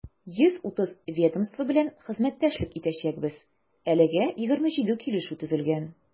130 ведомство белән хезмәттәшлек итәчәкбез, әлегә 27 килешү төзелгән.